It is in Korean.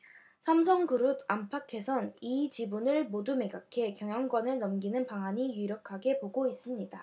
삼성그룹 안팎에선 이 지분을 모두 매각해 경영권을 넘기는 방안이 유력하게 보고 있습니다